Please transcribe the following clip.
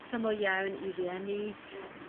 syml iawn i rieni